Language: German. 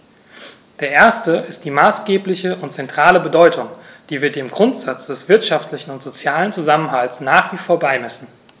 Der erste ist die maßgebliche und zentrale Bedeutung, die wir dem Grundsatz des wirtschaftlichen und sozialen Zusammenhalts nach wie vor beimessen.